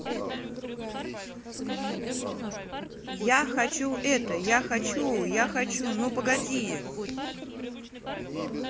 я хочу это я хочу я хочу ну погоди